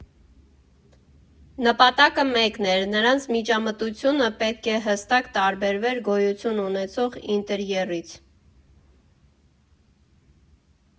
Նպատակը մեկն էր՝ նրանց միջամտությունը պետք է հստակ տարբերվեր գոյություն ունեցող ինտերիերից։